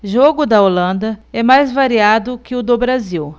jogo da holanda é mais variado que o do brasil